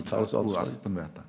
eg trur Espen veit det.